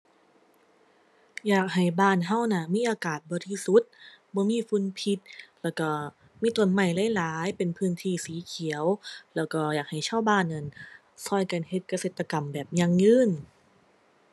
อยากให้บ้านเราน่ะ มีอากาศบริสุทธิ์ บ่มีฝุ่นพิษ แล้วเรามีต้นไม้หลายหลายเป็นพื้นที่สีเขียว แล้วเราอยากให้ชาวบ้านนั่นเรากันเฮ็ดเกษตรกรรมแบบยั่งยืน